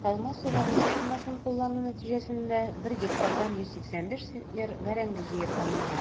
Ясалма сугару системасын куллану нәтиҗәсендә 1 гектардан 185 центнер бәрәңге җыеп алынган.